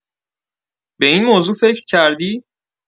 به این موضوع فکر کردی؟